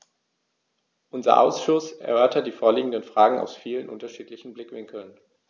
Unser Ausschuss erörtert die vorliegenden Fragen aus vielen unterschiedlichen Blickwinkeln.